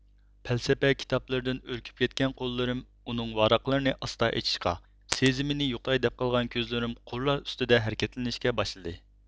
پەلسەپە كىتابلىرىدىن ئۈركۈپ كەتكەن قوللىرىم ئۇنىڭ ۋاراقلىرىنى ئاستا ئېچىشقا سېزىمىنى يوقىتاي دەپ قالغان كۆزلىرىم قۇرلار ئۈستىدە ھەرىكەتلىنىشكە باشلىدى